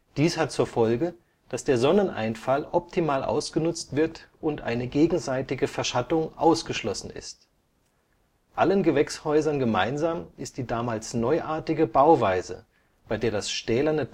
Dies hat zur Folge, dass der Sonneneinfall optimal ausgenutzt wird und eine gegenseitige Verschattung ausgeschlossen ist. Allen Gewächshäusern gemeinsam ist die damals neuartige Bauweise, bei der das stählerne